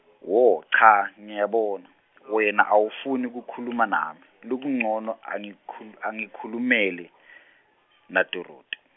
wo, cha, ngiyabona, wena awufuni kukhuluma nami, lokuncono angikhu- angitikhulumele, naDorothi.